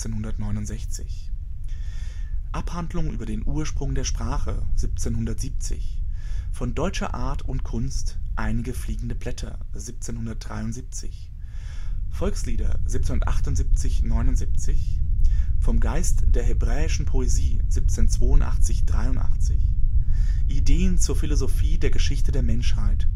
1769 Abhandlung über den Ursprung der Sprache 1770 Von deutscher Art und Kunst, einige fliegende Blätter 1773 Volkslieder 1778 / 79 Vom Geist der Hebräischen Poesie 1782 / 83 Ideen zur Philosophie der Geschichte der Menschheit